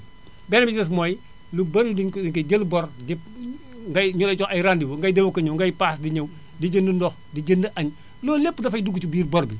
beneen bi ci des mooy lu bari daénu koy jël bor di ngay ñu lay jox ay rendez vous ngay dem ak a ñëw ngay paas di ñëw di jënd ndox di jënd añ loolu lépp dafay dugg ci biir bor bi